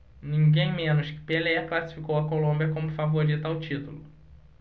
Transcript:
ninguém menos que pelé classificou a colômbia como favorita ao título